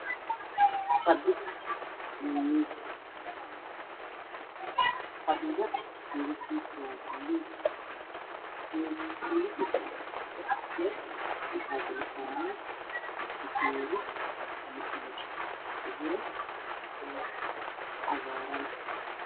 Waa fadhi iyo miis. Fadhiga waa buluug miiska waa cadeys ah, waxaa dulsaaran bakeeriyo kujiro ubax cagaaran.